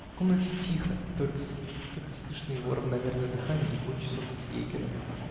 В комнате тихо; только слышно его равномерное дыхание и бой часов с егерем.